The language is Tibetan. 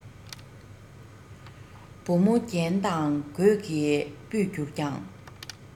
བུ མོ རྒྱན དང གོས ཀྱིས སྤུད གྱུར ཀྱང